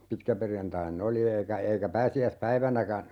pitkäperjantaina oli eikä eikä pääsiäispäivänäkään